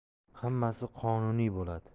hammasi qonuniy bo'ladi